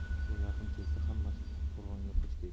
hali yog'iy yaqin kelsa hammasi qo'rg'onga qochgay